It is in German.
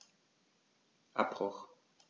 Abbruch.